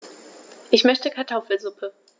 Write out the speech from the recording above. Ich möchte Kartoffelsuppe.